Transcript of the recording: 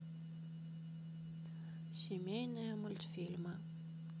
семейный мультфильм